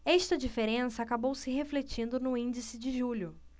esta diferença acabou se refletindo no índice de julho